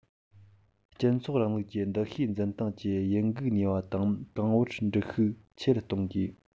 སྤྱི ཚོགས རིང ལུགས ཀྱི འདུ ཤེས འཛིན སྟངས ཀྱི ཡིད འགུག ནུས པ དང གོང བུར འགྲིལ ཤུགས ཆེ རུ གཏོང དགོས